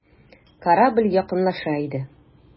Корабль якынлаша иде.